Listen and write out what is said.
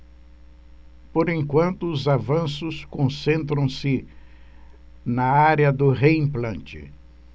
por enquanto os avanços concentram-se na área do reimplante